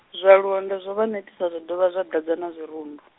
zwa Luonde zwo vha netisa zwa dovha zwa ḓadza na zwirundu.